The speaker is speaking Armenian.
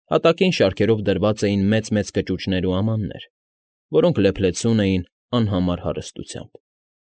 Հատակին շարքերով դրված էին մեծ֊մեծ կճուճներ ու ամաններ, որոնք լեփլեցնուն էին անհամար հարստություններով։